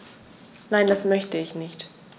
Nein, das möchte ich nicht.